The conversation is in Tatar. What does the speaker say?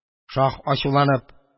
Шаһ, ачуланып: